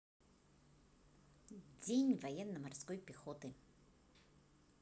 день военно морской пехоты